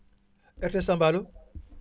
RTS Tamba alloo